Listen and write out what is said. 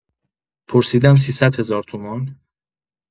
پرسیدم سیصد هزار تومان؟!